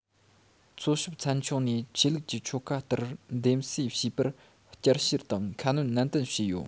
འཚོལ ཞིབ ཚན ཆུང ནས ཆོས ལུགས ཀྱི ཆོ ག ལྟར འདེམས གསེས བྱིས བར བསྐྱར བཤེར དང ཁ སྣོན ནན ཏན བྱས ཡོད